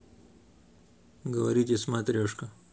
говорите смотрешка